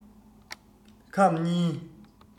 ཁམ གཉིས